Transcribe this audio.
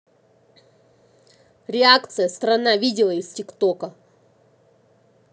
реакция страна видела из тик тока